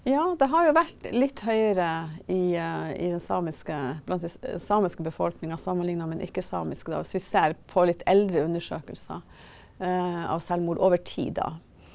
ja det har jo vært litt høyere i i den samiske blant den samiske befolkninga sammenligna med den ikke-samiske da, så vi ser på litt eldre undersøkelser av selvmord over tid da.